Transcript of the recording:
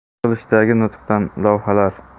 yig'ilishidagi nutqdan lavhalar